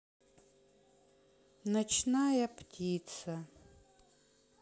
ночная птица